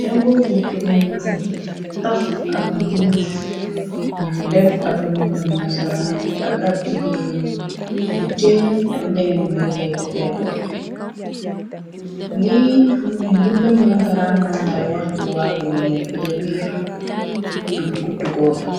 ca goo gut gañu fu taf ab mbuus muñu def ab mbindam nasaraan ak ab jigeen ju teen ak jeneen buy ree ca pegg ba lii bindam lasaranna ngay wax ci wàll mu nekk ca biir gut gooba